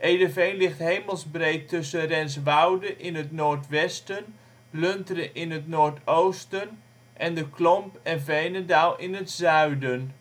Ederveen ligt hemelsbreed tussen Renswoude in het noordwesten, Lunteren in het noordoosten en De Klomp en Veenendaal in het zuiden